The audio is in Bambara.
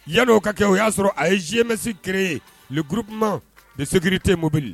Yan'o ka kɛ o y'a sɔrɔ a ye GMS créer, le groupement de sécurité mobile